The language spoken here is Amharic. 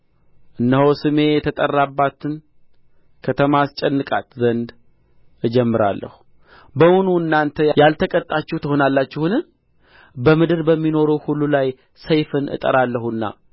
እነሆ ስሜ የተጠራባትን ከተማ አስጨንቃት ዘንድ እጀምራለሁ በውኑ እናንተ ያልተቀጣችሁ ትሆናላችሁን በምድር በሚኖሩ ሁሉ ላይ ሰይፍን እጠራለሁና